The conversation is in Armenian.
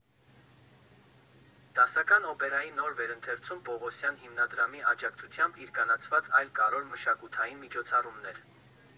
Դասական օպերայի նոր վերընթերցում և Պողոսյան հիմնադրամի աջակցությամբ իրկանացված այլ կարևոր մշակութային միջոցառումներ։